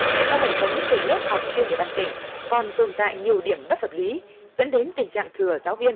do hệ thống trường lớp học trên địa bàn tỉnh còn tồn tại nhiều điểm bất hợp lý dẫn đến tình trạng thừa giáo viên